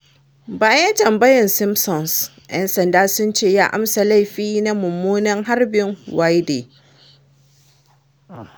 Bayan tambayan Simpson, ‘yan sanda sun ce ya amsa laifi na mummunan harbin Wayde.